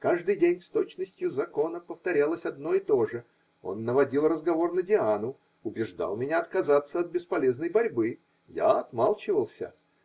Каждый день с точностью закона повторялось одно и то же: он наводил разговор на Диану, убеждал меня отказаться от бесполезной борьбы я отмалчивался